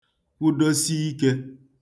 kwụdosi ikē